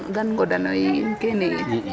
gaan ngodanooyo yin kene yin?